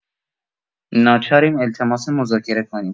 ناچاریم التماس مذاکره کنیم.